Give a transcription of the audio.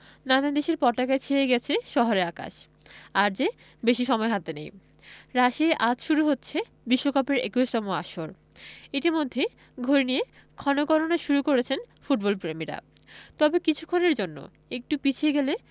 নানান দেশের পতাকায় ছেয়ে গেছে শহুরে আকাশ আর যে বেশি সময় হাতে নেই রাশিয়ায় আজ শুরু হচ্ছে বিশ্বকাপের ২১তম আসর ইতিমধ্যেই ঘড়ি নিয়ে ক্ষণগণনা শুরু করেছেন ফুটবলপ্রেমীরা তবে কিছুক্ষণের জন্য একটু পিছিয়ে গেলে